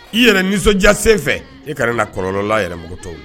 I yɛrɛ nisɔndiya senfɛ, e kana na kɔlɔlɔ yɛlɛ tɔw kan.